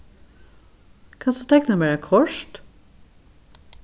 kanst tú tekna mær eitt kort